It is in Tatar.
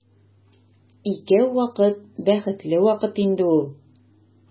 Икәү вакыт бәхетле вакыт инде ул.